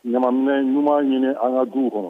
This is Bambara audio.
Ɲaminɛ ɲumanuma ɲini an ka du kɔnɔ